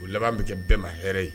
O laban bi kɛ bɛɛ ma hɛrɛ ye.